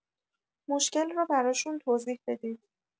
مشکل را براشون توضیح بدید.